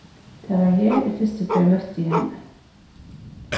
tað var her eg fyrstu ferð møtti henni